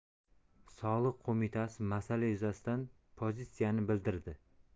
soliq qo'mitasi masala yuzasidan pozitsiyasini bildirdi